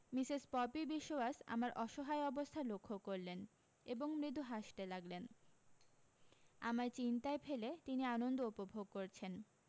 Mrs Popy Biswas আমার অসহায় অবস্থা লক্ষ্য করলেন এবং মৃদু হাসতে লাগলেন আমায় চিন্তায় ফেলে তিনি আনন্দ উপভোগ করছেন